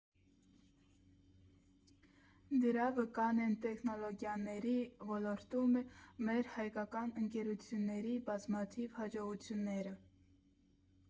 Դրա վկան են տեխնոլոգիաների ոլորտում մեր հայկական ընկերությունների բազմաթիվ հաջողությունները»։